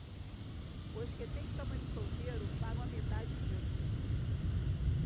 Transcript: os que têm cama de solteiro pagam a metade disso